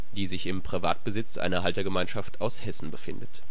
die sich im Privatbesitz einer Haltergemeinschaft aus Hessen befindet